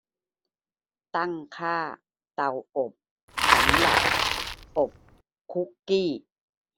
ตั้งค่าเตาอบสำหรับอบคุกกี้